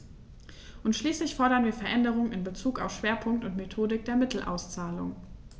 Und schließlich fordern wir Veränderungen in bezug auf Schwerpunkt und Methodik der Mittelauszahlung.